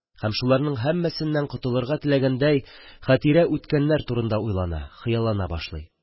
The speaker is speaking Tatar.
Һәм шуларның һәммәсеннән котылырга теләгәндәй, Хәтирә үткәннәр турында уйлана, хыяллана башлый.